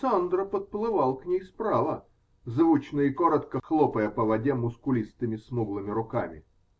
Сандро подплывал к ней справа, звучно и коротко хлопая по воде мускулистыми смуглыми руками.